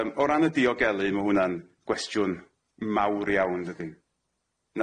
Yym o ran y diogelu ma' hwnna'n gwestiwn mawr iawn dydi?